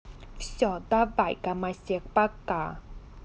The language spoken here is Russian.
все давай гомосек пока